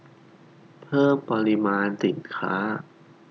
เพิ่มปริมาณสินค้า